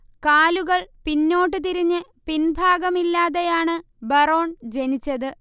കാലുകൾ പിന്നോട്ട് തിരിഞ്ഞ് പിൻഭാഗം ഇല്ലാതെയാണ് ബറോൺ ജനിച്ചത്